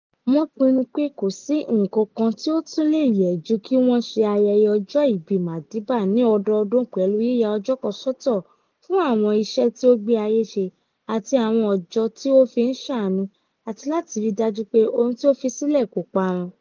Wọ́n pinnu pé kò sí nǹkan kan tí ó tún lè yẹ ju kí wọ́n ṣe ayẹyẹ ọjọ́ ìbí Madiba ní ọdọọdún pẹ̀lú yíya ọjọ́ kan sọ́tọ̀ fún àwọn iṣẹ́ tí ó gbé ayé ṣe àti àwọn àjọ tí ó fi ń ṣàánú àti láti ríi dájú pé ohun tí ó fi sílẹ̀ kò parun.